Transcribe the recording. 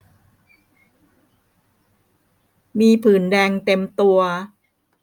มีผื่นแดงเต็มตัว